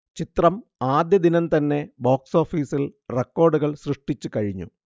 ചിത്രം ആദ്യദിനം തന്നെ ബോക്സ്ഓഫീസിൽ റെക്കോർഡുകൾ സൃഷ്ടിച്ച് കഴിഞ്ഞു